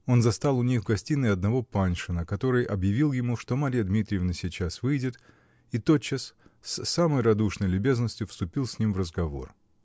Он застал у них в гостиной одного Паншина, который объявил ему, что Марья Дмитриевна сейчас выйдет, и тотчас с самой радушной любезностью вступил с ним в разговор.